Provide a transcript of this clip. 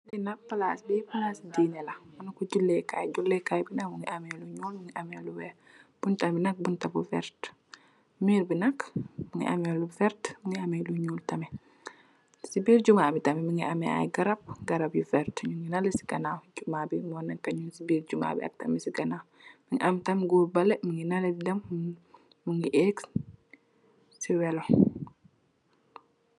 Lii nak plass bii plassi dineh la, manekor juleh kai, juleh kai bii nak mungy ameh lu njull, mungy ameh lu wekh, bunta bii nak bunta bu vert, mirr bii nak mungy ameh lu vertue, mungy ameh lu njull tamit, cii birr jummah bii tamit mungy ameh aiiy garab, garab yu vertue njungy nahleh cii ganaw jummah bii moneka njung cii birr jummah bii ak tamit cii ganaw, mu am tamit gorre behleh mungy nahleh dii dem, mungy ehhg cii velo.